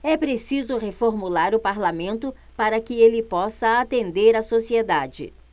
é preciso reformular o parlamento para que ele possa atender a sociedade